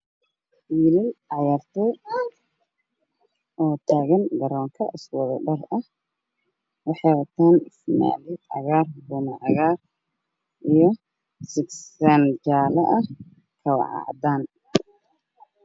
Wiilal cayaar tooy waxey wataan buumo cadaan ah iyo sagsaan madow ah